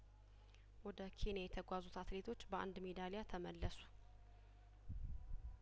ወደ ኬንያ የተጓዙት አትሌቶች በአንድ ሜዳሊያተመለሱ